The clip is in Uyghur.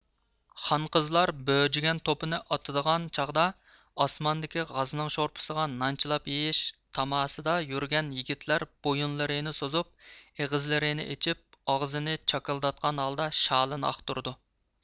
خان قىزلار بۆجىگەن توپىنى ئاتىدىغان چاغدا ئاسماندىكى غازنىڭ شورپسىغا نان چىلاپ يېيىش تاماسىدا يۈرگەن يىگىتلەر بويۇنلىرىنى سوزۇپ ئېغىزلىرىنى ئېچىپ ئاغزىنى چاكىلداتقان ھالدا شالىنى ئاقتۇرىدۇ